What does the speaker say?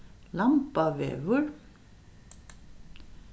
lambavegur